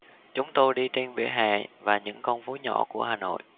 chúng tôi đi trên vỉa hè và những con phố nhỏ của hà nội